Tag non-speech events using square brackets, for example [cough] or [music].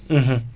[hesitation] [hesitation]